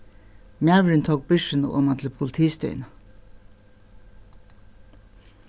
maðurin tók byrsuna oman til politistøðina